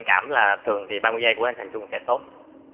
cảm là thường thì ba mươi giây của anh thành trung sẽ tốt